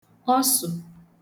ọsụ̀